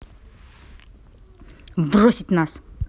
бросить нас